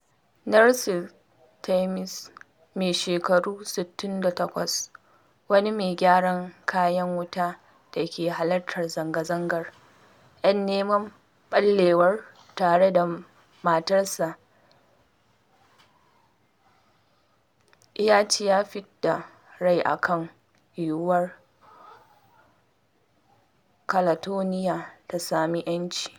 Narcis Termes, mai shekaru 68, wani mai gyaran kayan wuta da ke halartar zanga-zangar ‘yan neman ɓallewar tare da matarsa ya ce ya fidda rai akan yiwuwar Catalonia ta sami ‘yanci.